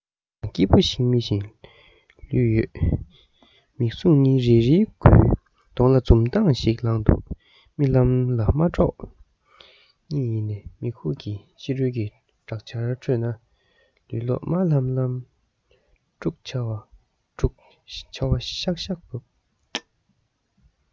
རྨི ལམ ཡང སྐྱིད པོ ཞིག རྨི བཞིན ལོས ཡོད མིག ཟུང གཉིས རིག རིག འགུལ གདོང ལ འཛུམ ཞིག ལངས འདུག རྨི ལམ མ དཀྲོགས པ གཉིད ཡེ ནས མི ཁུག ཕྱི རོལ གྱི དྲག ཆར ཁྲོད ན ལུས གློག དམར ལམ ལམ འཁྱུག ཆར བ ཤག ཤག འབབ